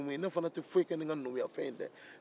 ne fana tɛ foyi kɛ ni n ka numuya baara in tɛ